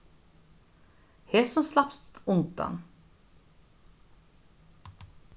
hesum slapst undan